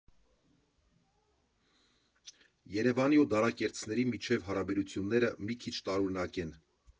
Երևանի ու դարակերտցիների միջև հարաբերությունները մի քիչ տարօրինակ են։